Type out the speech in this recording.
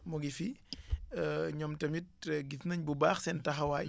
mu ngi fii ñoom tamit gis nañ bu baax seen taxawaay